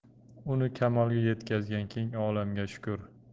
uni kamolga yetkazgan keng olamga shukur